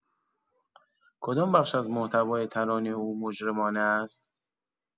کدام بخش از محتوای ترانه او مجرمانه است؟